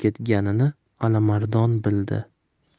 ketganini alimardon bildi